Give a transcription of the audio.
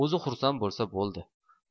o'zi xursand bo'lsa bo'ldi